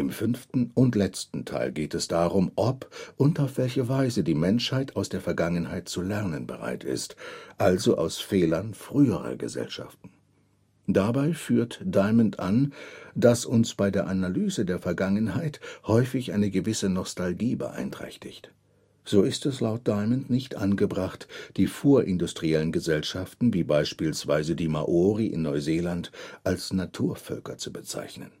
fünften und letzten Teil geht es darum, ob und auf welche Weise die Menschheit aus der Vergangenheit zu lernen bereit ist, also aus Fehlern früherer Gesellschaften. Dabei führt Diamond an, dass uns bei der Analyse der Vergangenheit häufig eine gewisse Nostalgie beeinträchtigt. So ist es laut Diamond nicht angebracht, die vorindustriellen Gesellschaften – wie beispielsweise die Maori in Neuseeland – als „ Naturvölker “zu bezeichnen